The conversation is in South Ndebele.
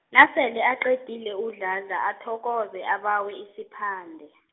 nasele aqedile uDladla athokoze abawe isiphande.